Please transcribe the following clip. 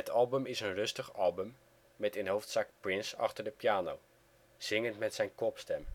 album is een rustig album met in hoofdzaak Prince achter de piano, zingend met zijn kopstem